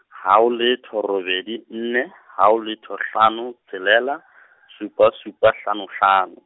ha o letho robedi nne , ha o letho hlano tshelela , supa supa hlano hlano.